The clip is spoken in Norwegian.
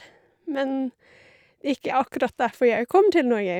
Men ikke akkurat derfor jeg kom til Norge.